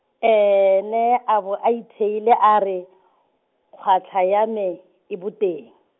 ene a bo a itheile a re , kgwatlha ya me, e boteng.